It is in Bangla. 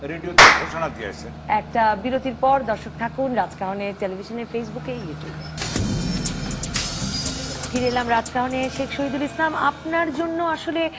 রেডিওতে ঘোষণা দিয়েছে একটা বিরতির পর দশক থাকুন রাজকাহন এর টেলিভিশনে ফেসবুকে ইউটিউবে ফিরে এলাম রাজকাহন এর শেখ শহিদুল ইসলাম আপনার জন্য আসলে